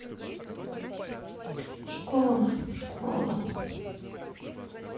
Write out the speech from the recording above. школа школа